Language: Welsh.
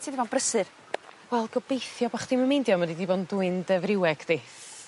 ...ti 'di fo' yn brysur. Wel gobeithio bo' chdi 'im yn meindio mod i 'di fo' yn dwyn dy Friweg di.